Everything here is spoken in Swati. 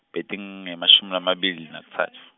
betingemashumi lamabili nakutsatfu.